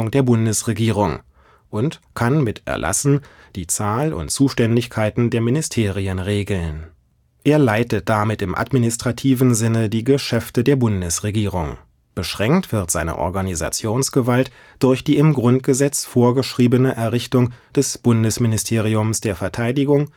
der Bundesregierung) und kann mit Erlassen die Zahl und Zuständigkeiten der Ministerien regeln. Er „ leitet “damit im administrativen Sinne die Geschäfte der Bundesregierung. Beschränkt wird seine Organisationsgewalt durch die im Grundgesetz vorgeschriebene Errichtung des Bundesministeriums der Verteidigung